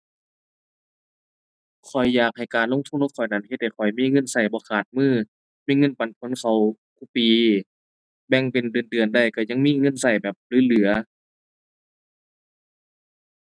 ข้อยอยากให้การลงทุนของข้อยนั้น เฮ็ดให้ข้อยมีเงินใช้บ่ขาดมือ มีเงินปันผลเข้าคุปี แบ่งเป็นเดือนเดือนได้ใช้ยังมีเงินใช้แบบเหลือเหลือ